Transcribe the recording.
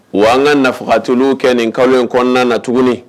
Wa an katulu kɛ nin kalo in kɔnɔna na tuguni